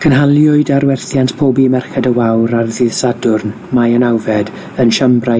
Cynhaliwyd arwerthiant pobi Merched y Wawr ar ddydd Sadwrn, Mai y nawfed yn siambrau